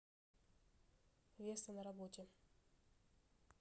веста на роботе